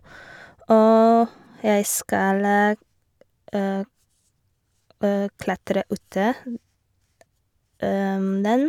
Og jeg skal klatre ute den.